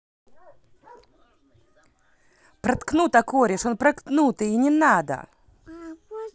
проткнуто корешь он проткнутый и не надо